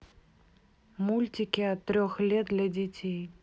мультики от трех лет для детей